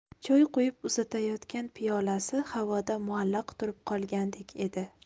choy quyib uzatayotgan piyolasi havoda muallaq turib qolgandak edi